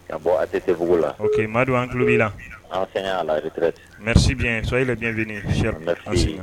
Ka bɔ a tɛ tɛbuguugu la o que madon an tulolobi la mɛsibiɲɛ sɔ e yɛrɛ ɲɛ bɛ sisi